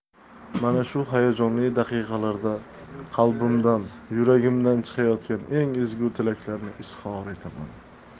mana shu hayajonli daqiqalarda qalbimdan yuragimdan chiqayotgan eng ezgu tilaklarni izhor etaman